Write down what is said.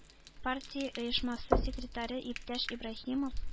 Партия оешмасы секретаре иптәш Ибраһимов